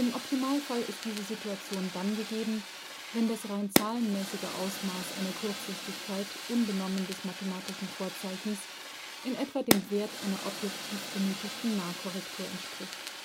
Optimalfall ist diese Situation dann gegeben, wenn das rein zahlenmäßige Ausmaß einer Kurzsichtigkeit unbenommen des mathematischen Vorzeichens in etwa dem Wert einer objektiv benötigten Nahkorrektur entspricht